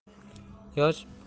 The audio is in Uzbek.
yosh podshohimiz ulug'